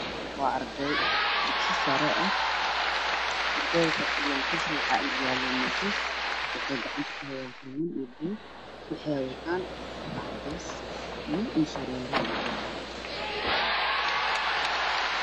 Waa arday dugsi sare ah ardayda waxay ku fadhiyaan kursi waxa waxaa egyaalo miisaas waxay gacanta ku hayaan qalimo iyo buug waxay wataan dhar cades iyo surwaalo